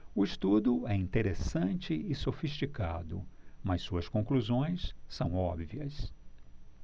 o estudo é interessante e sofisticado mas suas conclusões são óbvias